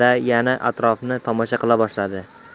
yana atrofni tomosha qila boshladi